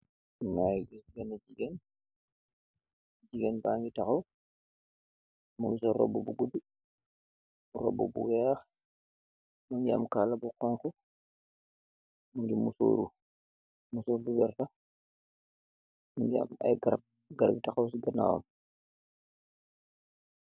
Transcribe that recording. Mageh giss bena jigeen jigeen bagi taxaw mugi sol roba bu godu roba bu weex mogi am kala bu xonxu mogi mosoru mosoru bu wertax mogi am ay garab garab yu taxaw si ganawam.